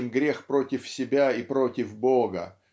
чем грех против себя и против Бога